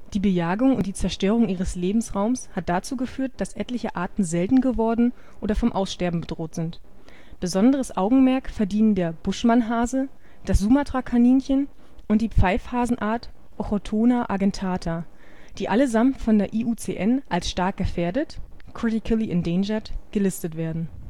Die Bejagung und die Zerstörung ihres Lebensraums hat dazu geführt, dass etliche Arten selten geworden oder vom Aussterben bedroht sind. Besonderes Augenmerk verdienen der Buschmannhase, das Sumatra-Kaninchen und die Pfeifhasenart Ochotona argentata, die allesamt von der IUCN als stark gefährdet (critically endangered) gelistet werden